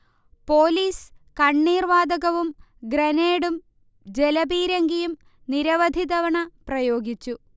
police കണ്ണീർ വാതകവും ഗ്രനേഡും ജലപീരങ്കിയും നിരവധി തവണ പ്രയോഗിച്ചു